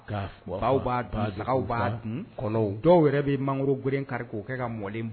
Baw b'a dun sagaw b'a dun kɔnɔw dɔw yɛrɛ be mangoro gweden kari k'o kɛ ka mɔlen